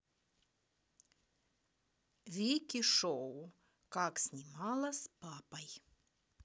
вики шоу как снимала с папой